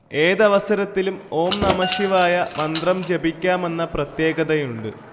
ഏതവസരത്തിലും ഓം നമഃശിവായ മന്ത്രം ജപിക്കാമെന്ന പ്രത്യേകതയുണ്ട്